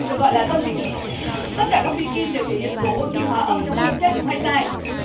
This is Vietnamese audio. được gọi là tâm vị tự tất cả các phi kim đều thể hiện số ô xi hóa âm trong các hợp chất đúng hay sai